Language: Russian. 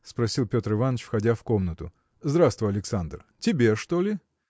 – спросил Петр Иваныч, входя в комнату. – Здравствуй, Александр! тебе, что ли?